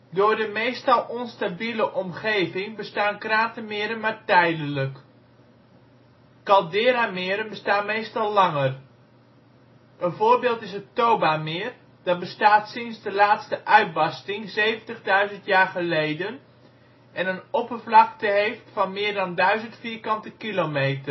Door de meestal onstabiele omgeving bestaan kratermeren maar tijdelijk. Calderameren bestaan meestal langer. Een voorbeeld is het Tobameer, dat bestaat sinds de laatste uitbarsting 70.000 jaar geleden en een oppervlakte heeft van meer dan 1000